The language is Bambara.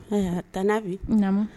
Ayiwa a ta' bi na